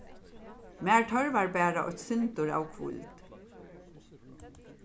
mær tørvar bara eitt sindur av hvíld